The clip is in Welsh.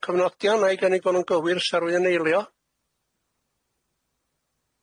cyfnodion a'i gynig bo' nhw'n gywir, sa rwyn yn eilio?